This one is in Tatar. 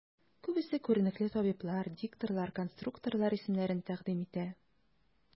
Күбесе күренекле табиблар, дикторлар, конструкторлар исемнәрен тәкъдим итә.